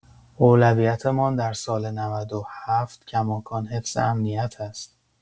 اولویت‌مان در سال ۹۷ کماکان حفظ امنیت است.